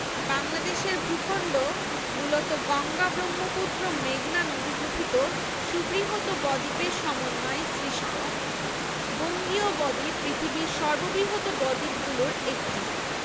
বাংলাদেশের ভূখন্ড মূলত গঙ্গা ব্রহ্মপুত্র মেঘনা নদীগঠিত সুবৃহৎ বদ্বীপের সমন্বয়ে সৃষ্ট বঙ্গীয় বদ্বীপ পৃথিবীর সর্ববৃহৎ বদ্বীপগুলোর একটি